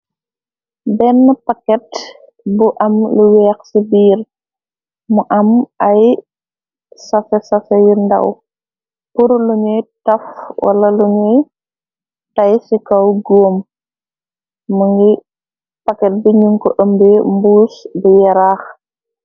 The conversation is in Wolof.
Benne paket bu am lu weex ci biir, mu am ay safe-safé yu ndàw, pur luñuy taf wala luñuy tay ci kaw góom, mëngi paket bi nyun ko ëmbe mbuus gu yaraax.